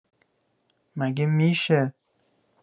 مگه می‌شه